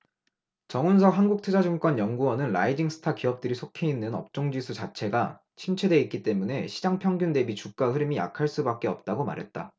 정훈석 한국투자증권 연구원은 라이징 스타 기업들이 속해 있는 업종지수 자체가 침체돼 있기 때문에 시장 평균 대비 주가 흐름이 약할 수밖에 없다고 말했다